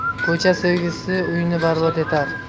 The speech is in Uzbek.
ko'cha sevgisi uyni barbod etar